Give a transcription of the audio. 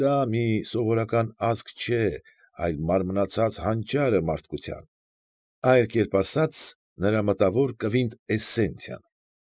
Դա մի սովորական ազգ չէ, այլ մարմնացած հանճարը մարդկության, այսպես ասած, նրա մտավոր կվինտ էսենցիան։